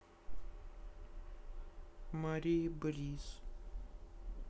мария бриз